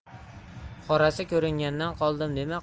qorasi ko'ringandan qoldim dema